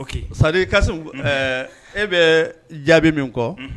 Ok c'est à dire Kassim. Un! ɛɛ e bɛ jaabi min kɔ. Un!